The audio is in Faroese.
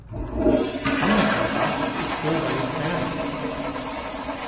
annika datt og skøvaði knæið